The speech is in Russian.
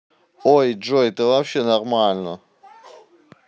ой джой ты вообще нормально